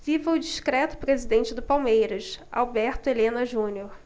viva o discreto presidente do palmeiras alberto helena junior